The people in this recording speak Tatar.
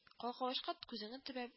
Калкавычка күзеңне төбәп